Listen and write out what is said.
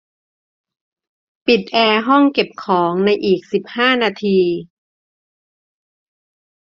ปิดแอร์ห้องเก็บของในอีกสิบห้านาที